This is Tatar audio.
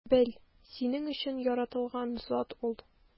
Бел: синең өчен яратылган зат ул!